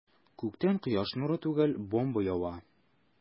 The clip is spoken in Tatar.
Күктән кояш нуры түгел, бомба ява.